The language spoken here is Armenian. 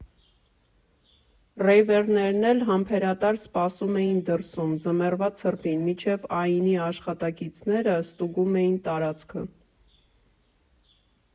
Ռեյվերներն էլ համբերատար սպասում էին դրսում, ձմեռվա ցրտին, մինչ ԱԻՆ֊ի աշխատակիցները ստուգում էին տարածքը։